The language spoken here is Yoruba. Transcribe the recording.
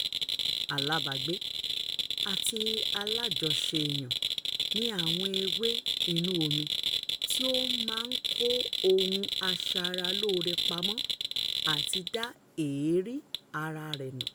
Alábàágbé àti alájọṣe iyùn ni àwọn ewé inú omi tí ó máa ń bá a kó ohun aṣaralóore pamọ́ àti da èérí ara nù.